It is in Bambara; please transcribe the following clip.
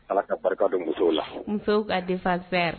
Ala ka barika don musow la musow ka defa fɛ